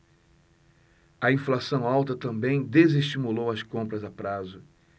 a inflação alta também desestimulou as compras a prazo